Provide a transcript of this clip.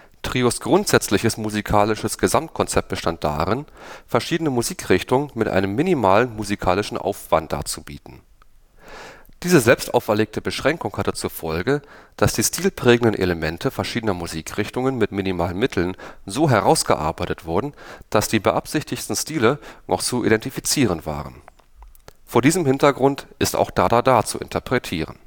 Trios grundsätzliches musikalisches Gesamtkonzept bestand darin, verschiedene Musikrichtungen mit einem minimalen musikalischen Aufwand darzubieten. Diese selbst auferlegte Beschränkung hatte zur Folge, dass die stilprägenden Elemente verschiedenster Musikrichtungen mit minimalen Mitteln so herausgearbeitet wurden, dass die beabsichtigten Stile noch zu identifizieren waren. Vor diesem Hintergrund ist auch „ Da da da “zu interpretieren